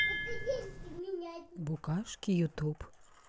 букашки ютуб